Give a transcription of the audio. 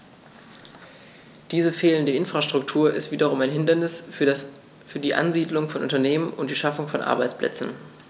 Diese fehlende Infrastruktur ist wiederum ein Hindernis für die Ansiedlung von Unternehmen und die Schaffung von Arbeitsplätzen.